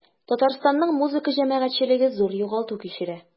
Татарстанның музыка җәмәгатьчелеге зур югалту кичерә.